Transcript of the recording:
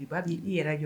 I b'a' ii yɛrɛ ɲɔgɔn